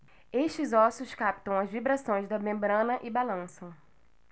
estes ossos captam as vibrações da membrana e balançam